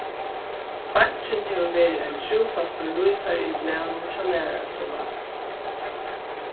bankin hevur verið ein trúfastur lýsari í blaðnum hjá lærarafelagnum